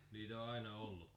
niitä on aina ollut